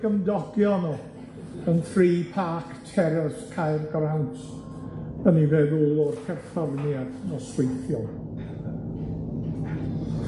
eu gymdogion nw yn Free Park Terrace Caergrawnt yn ei feddwl o'r perfformiad nosweithiol.